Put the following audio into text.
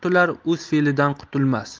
o'z fe'lidan qutulmas